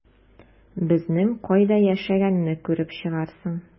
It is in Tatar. Безнең кайда яшәгәнне күреп чыгарсың...